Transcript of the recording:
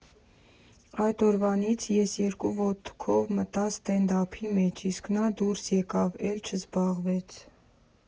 Այդ օրվանից ես երկու ոտքով մտա սթենդափի մեջ, իսկ նա դուրս եկավ, էլ չզբաղվեց։